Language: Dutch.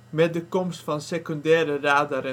Met de komst van secundaire radar